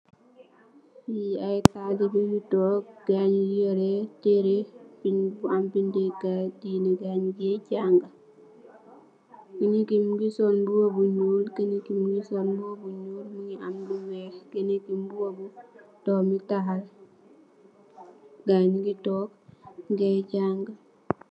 Li ay talibex yu toog gaay nyugi yoreh terex bi bu am binde kai dinex gaay nu gex janga kenen ki mogi sol mbuba bu nuul kenen ki mogi sol mbuba bu nuul mogi am lu weex kenen ki mbuba bu am doomitaal gaay nyungi toog nyugex jànga.